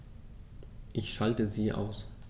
Ich schalte sie aus.